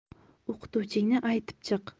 o'qituvchingni aytib chiq